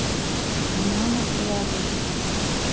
юнона и авось